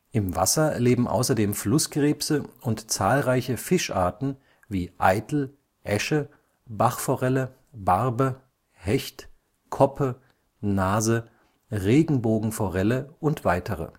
im Wasser leben außerdem Flusskrebse und zahlreiche Fischarten wie Aitel, Äsche, Bachforelle, Barbe, Hecht, Koppe, Nase, Regenbogenforelle und weitere